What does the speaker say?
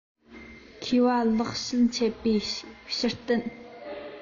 མཁས པ ལེགས བཤད འཆད པའི ཞུ རྟེན